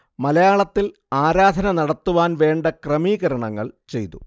മലയാളത്തിൽ ആരാധന നടത്തുവാൻ വേണ്ട ക്രമീകരണങ്ങൾ ചെയ്തു